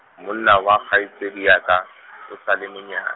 monna wa kgaitsedi ya ka , o sa le monyane.